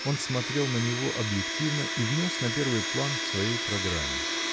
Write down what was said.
Он смотрел на него объективно и внес на первый план в своей программе.